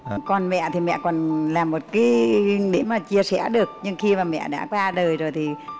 còn mẹ thì mẹ còn làm một kí để mà chia sẻ được nhưng khi mà mẹ đã qua đời rồi thì